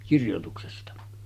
kirjoituksesta